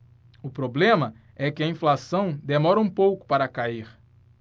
o problema é que a inflação demora um pouco para cair